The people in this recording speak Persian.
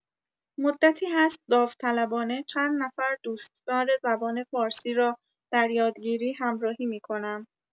مدتی هست داوطلبانه چند نفر دوستدار زبان فارسی را در یادگیری همراهی می‌کنم.